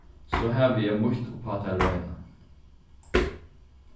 so havi eg mítt uppá tað reina